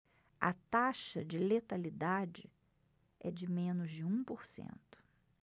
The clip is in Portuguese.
a taxa de letalidade é de menos de um por cento